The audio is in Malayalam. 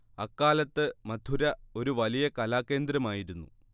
അക്കാലത്ത് മഥുര ഒരു വലിയ കലാകേന്ദ്രമായിരുന്നു